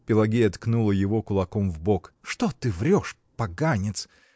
Пелагея ткнула его кулаком в бок. — Что ты врешь, поганец!